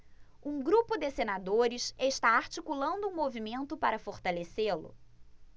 um grupo de senadores está articulando um movimento para fortalecê-lo